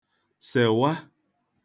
sèwa